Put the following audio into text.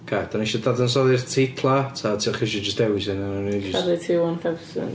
Oce. Dan ni isio dadansoddi'r teitlau ta dach chi isio jyst dewis un a wnawn ni jyst... Caru T one thousand.